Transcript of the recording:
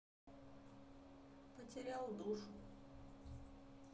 потерял душу